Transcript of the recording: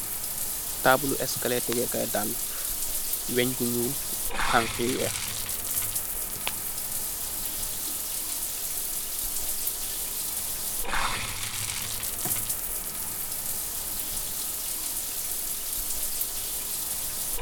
Table eskelee tegee kaay daalh, wenge gu nyul, khankhe yu weekh.